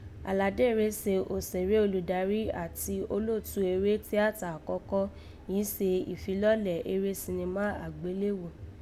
Àlàdé rèé se òsèré olùdarí àti Olóòtu eré tíátà àkọ́kọ́ yìí se ìfilọ́lẹ̀ eré sinimá àgbéléwò